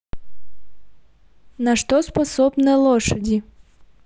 на что способны лошади